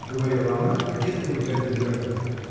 — говорила она, кокетливо глядя в зеркало.